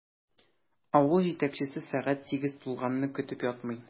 Авыл җитәкчесе сәгать сигез тулганны көтеп ятмый.